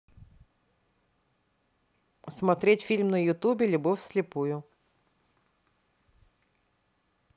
смотреть фильм на ютубе любовь вслепую